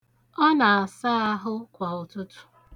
Ọ na-asa ahụ kwa ụtụtụ.